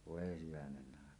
voi hyvänen aika